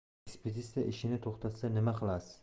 ekspeditsiya ishini to'xtatsa nima qilasiz